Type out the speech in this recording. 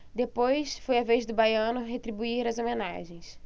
depois foi a vez do baiano retribuir as homenagens